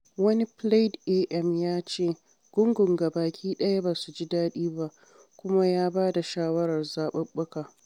Wani Plaid AM ya ce gungun gaba ɗaya “ba su ji daɗi ba” kuma ya ba da shawarar zaɓuɓɓuka.